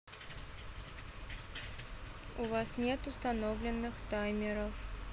у вас нет установленных таймеров